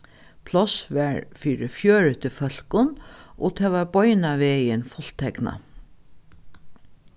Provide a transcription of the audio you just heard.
pláss var fyri fjøruti fólkum og tað var beinanvegin fullteknað